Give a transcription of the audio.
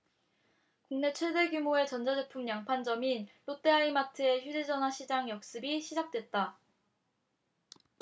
국내 최대 규모의 전자제품 양판점인 롯데하이마트의 휴대전화 시장 역습이 시작됐다